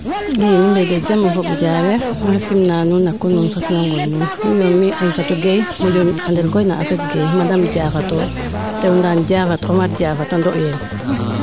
i mbeede jam o fogo Diarere maxey simna nuun na kon nuun fo simangol nuun miyo mi Aissatou Gueye moƴo a andel koy no Aset Gueye Madame Diafato tew Ndane Diafate Omar Diafate a ndoyeem